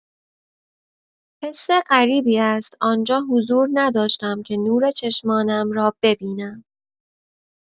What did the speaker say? حس غریبی است آنجا حضور نداشتم که نور چشمانم را ببینم.